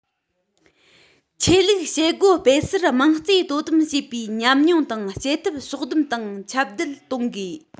ཆོས ལུགས བྱེད སྒོ སྤེལ སར དམངས གཙོས དོ དམ བྱས པའི ཉམས མྱོང དང བྱེད ཐབས ཕྱོགས སྡོམ དང ཁྱབ གདལ གཏོང དགོས